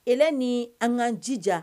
Elɛ ni an kan jija